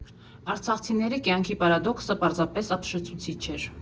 Արցախցիների կյանքի պարադոքսը պարզապես ապշեցուցիչ էր։